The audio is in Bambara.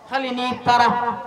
Hali n'i taara